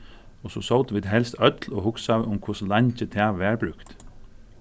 og so sótu vit helst øll og hugsaðu um hvussu leingi tað varð brúkt